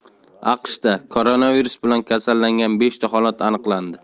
aqshda koronavirus bilan kasallangan beshta holat aniqlandi